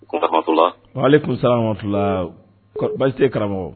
Warahamatula, walekumusala warahamatula, kɔri baasi tɛ yen karamɔgɔ